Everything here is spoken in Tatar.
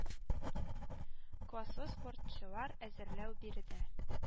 Класслы спортчылар әзерләү биредә